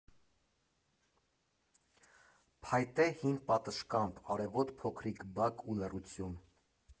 Փայտե հին պատշգամբ, արևոտ, փոքրիկ բակ ու լռություն։